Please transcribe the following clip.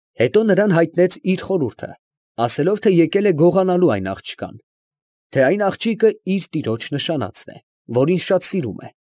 Հետո նրան հայտնեց իր խորհուրդը, ասելով, թե եկել է գողանալու այն աղջկան, թե այն աղջիկը իր տիրոջ նշանածն է, որին շատ սիրում է։